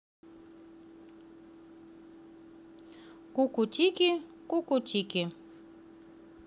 кукутики кукутики